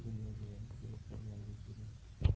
kelib qoldek edim